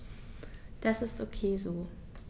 Das ist ok so.